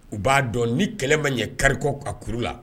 U b'a dɔn ni kɛlɛ ma ɲɛ karikɔ a kuru la